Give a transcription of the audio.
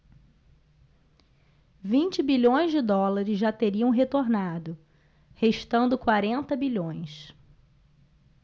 vinte bilhões de dólares já teriam retornado restando quarenta bilhões